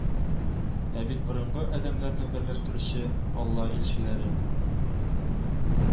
Ә бит борынгы адәмнәрне берләштерүче Алла илчеләре